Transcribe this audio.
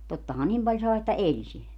tottahan niin paljon sai että eli sillä